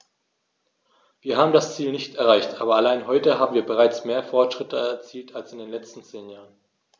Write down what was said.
Wir haben das Ziel nicht erreicht, aber allein heute haben wir bereits mehr Fortschritte erzielt als in den letzten zehn Jahren.